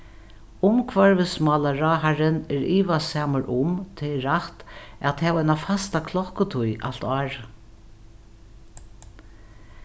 umhvørvismálaráðharrin er ivasamur um tað er rætt at hava eina fasta klokkutíð alt árið